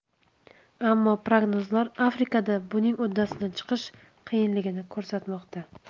ammo prognozlar afrikada buning uddasidan chiqish qiyinligini ko'rsatmoqda